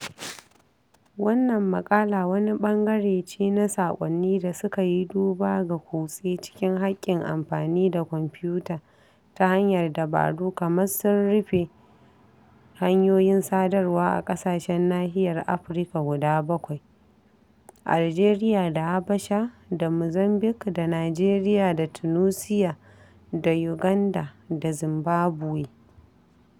Wannan maƙala wani ɓangare ce na saƙonni da suka yi duba ga kutse cikin haƙƙin amfani da kwamfuta ta hanyar dabaru kamar sun rufe hanyoyin sadarwa a ƙasashen nahiyar Afirka guda bakwai: Aljeriya da Habasha da Muzambik da Nijeriya da Tunusiya da Yuganda da Zimbabwe.